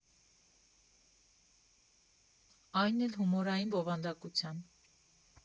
Այն էլ՝ հումորային բովանդակության։